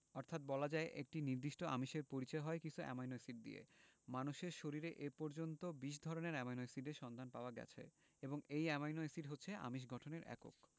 অর্থাৎ বলা যায় একটি নির্দিষ্ট আমিষের পরিচয় হয় কিছু অ্যামাইনো এসিড দিয়ে মানুষের শরীরে এ পর্যন্ত ২০ ধরনের অ্যামাইনো এসিডের সন্ধান পাওয়া গেছে এবং এই অ্যামাইনো এসিড হচ্ছে আমিষ গঠনের একক